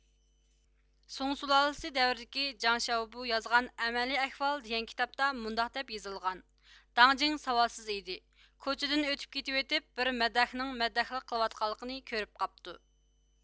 سۇڭ سۇلالىسى دەۋرىدىكى جاڭ شياۋبۇ يازغان ئەمەلىي ئەھۋال دېگەن كىتابتا مۇنداق دەپ يېزىلغان داڭ جىڭ ساۋاتسىز ئىدى كوچىدىن ئۆتۈپ كېتىۋېتىپ بىر مەدداھنىڭ مەدداھلىق قىلىۋاتقانلىقىنى كۆرۈپ قاپتۇ